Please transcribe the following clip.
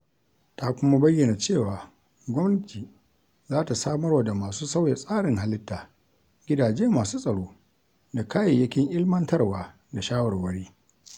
Ta kuma bayyana cewa gwamnati za ta samarwa da masu sauya tsarin halitta gidaje masu tsaro da kayayyakin ilmantarwa da shawarwari